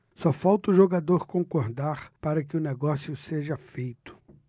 só falta o jogador concordar para que o negócio seja feito